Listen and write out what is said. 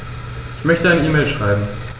Ich möchte eine E-Mail schreiben.